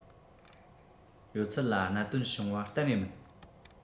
ཡོད ཆད ལ གནད དོན བྱུང བ གཏན ནས མིན